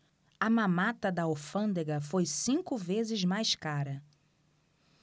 a mamata da alfândega foi cinco vezes mais cara